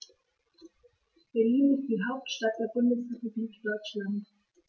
Berlin ist die Hauptstadt der Bundesrepublik Deutschland.